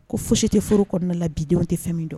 Ko foyisi tɛ foro kɔnɔna la bidenw tɛ fɛn min dɔn